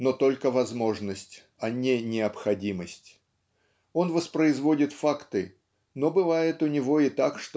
Но только возможность, а не необходимость. Он воспроизводит факты но бывает у него и так